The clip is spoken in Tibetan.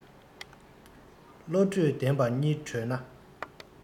བློ གྲོས ལྡན པ གཉིས བགྲོས ན